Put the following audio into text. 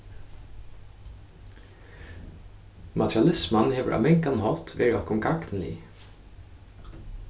materialisman hevur á mangan hátt verið okkum gagnlig